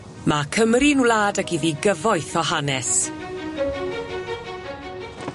Ma' Cymru'n wlad ag iddi gyfoeth o hanes.